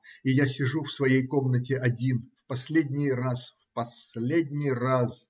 и я сижу в своей комнате один, в последний раз! В последний раз!